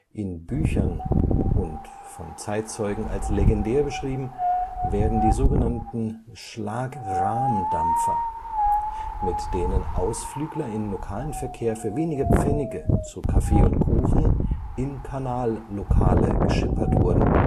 In Büchern und von Zeitzeugen als legendär beschrieben werden die sogenannten Schlagrahmdampfer, mit denen Ausflügler im lokalen Verkehr für wenige Pfennige zu Kaffee und Kuchen in Kanallokale geschippert wurden